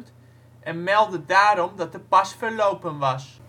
en meldde daarom dat de pas verlopen was